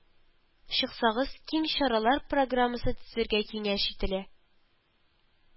Чыксагыз, киң чаралар программасы төзергә киңәш ителә